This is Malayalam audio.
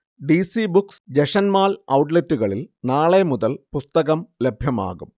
ഡി. സി ബുക്സ്, ജഷന്മാൾ ഔട്ട്ലെറ്റുകളിൽ നാളെ മുതൽ പുസ്തകം ലഭ്യമാകും